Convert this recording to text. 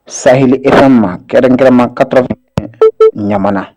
Sahel IFM kɛrɛnkɛrɛnma 4iem ɲamana